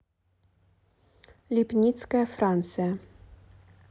липницкая франция